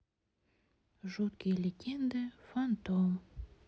жуткие легенды фантом